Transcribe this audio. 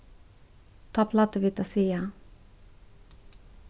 tá plagdu vit at siga